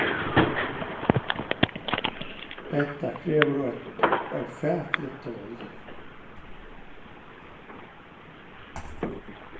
hetta krevur eitt ófatiligt tol